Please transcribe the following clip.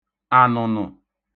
ànụ̀nụ̀